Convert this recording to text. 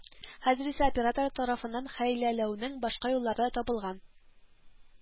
Хәзер исә операторлар тарафыннан хәйләләүнең башка юллары да табылган